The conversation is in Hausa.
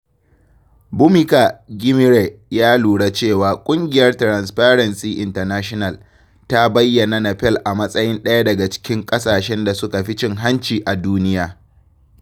Bhumika Ghimire ya lura cewa, Ƙungiyar 'Transparency International' ta bayyana Napel a matsayin ɗaya daga cikin ƙasashen da suka fi cin-hanci a duniya.